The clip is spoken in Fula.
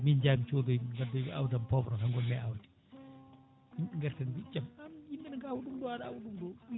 min jaami codaymi gaddoymi awdam poovron tan gonmi e awde ɓe gaari tan mbi ijam an yimɓene gawa ɗum ɗo aɗa awa ɗum ɗo